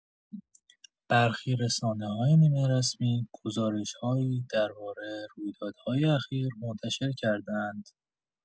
برخی رسانه‌های نیمه‌رسمی گزارش‌هایی درباره رویدادهای اخیر منتشر کرده‌اند.